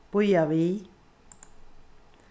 bíða við